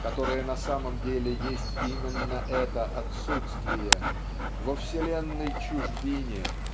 которое на самом деле есть именно это отсутствие во вселенной-чужбине